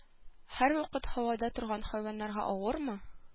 Һәрвакыт һавада торган хайваннарга авырмы?